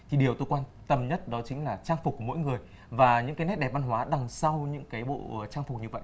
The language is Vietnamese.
thì điều tôi quan tâm nhất đó chính là trang phục mỗi người và những cái nét đẹp văn hóa đằng sau những cái bộ trang phục như vậy ạ